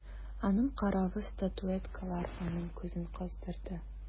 Аның каравы статуэткалар аның күзен кыздырды.